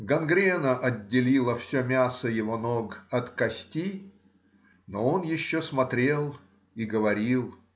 гангрена отделила все мясо его ног от кости, но он еще смотрел и говорил.